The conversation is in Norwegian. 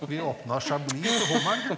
vi åpna chablis til hummeren.